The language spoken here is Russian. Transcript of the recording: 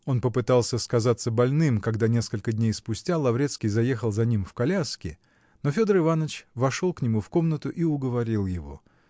Он попытался сказаться больным, когда, несколько дней спустя, Лаврецкий заехал за ним в коляске, но Федор Иваныч вошел к нему в комнату и уговорил его.